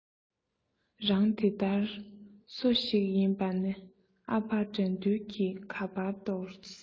རང དེ དར སོ ཞིག ཡིན པ ནི ཨ ཕ དགྲ འདུལ གི ག པར རྟོག སྲིད